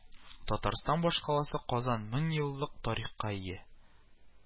Татарстан башкаласы Казан мең еллык тарихка ия